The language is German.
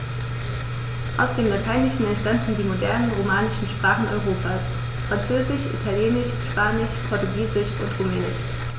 Aus dem Lateinischen entstanden die modernen „romanischen“ Sprachen Europas: Französisch, Italienisch, Spanisch, Portugiesisch und Rumänisch.